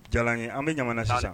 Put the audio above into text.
Ja an bɛ ɲa sisan